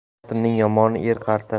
xotinning yomoni er qaritar